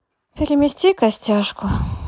перемести костяшку